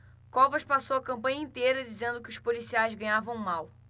covas passou a campanha inteira dizendo que os policiais ganhavam mal